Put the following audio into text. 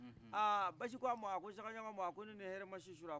aa basi ko a ma a ko sagaagamu ne ni hɛrɛ ma si surɔ